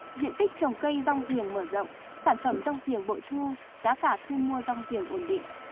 diện tích trồng cây dong riềng mở rộng sản phẩm dong riềng bội thu giá cả thu mua dong riềng ổn định